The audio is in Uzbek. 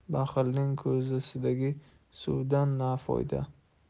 baxilning ko'zasidagi suvdan na foyda